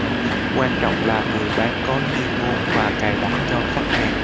quan trọng là người bán có chuyên môn và cài đặt cho khách hàng